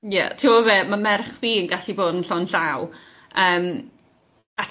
Ie, ti'bod be ma' merch fi yn gallu bod yn llond llaw yym a